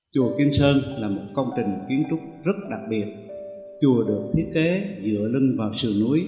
chùa kim sơn là một công trình kiến trúc rất đặc biệt chùa được thiết kế dựa lưng vào sườn núi